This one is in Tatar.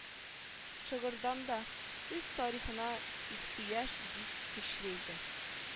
Шыгырданда үз тарихына ихтыяҗ бик көчле иде